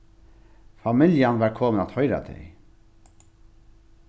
familjan var komin at heiðra tey